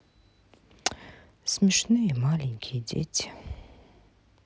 смешные маленькие дети